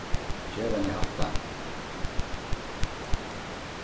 gev henni hatta